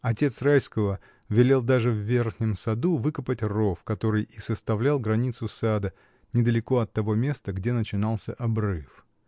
Отец Райского велел даже в верхнем саду выкопать ров, который и составлял границу сада, недалеко от того места, где начинался обрыв.